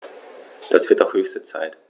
Das wird auch höchste Zeit!